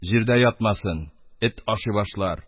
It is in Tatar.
— җирдә ятмасын, эт ашый башлар,